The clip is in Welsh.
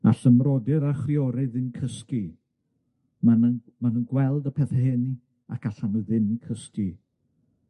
All fy mrodyr a chwiorydd ddim cysgu, ma' nyn- ma' nw'n gweld y pethe hyn ac allan nw ddim cysgu.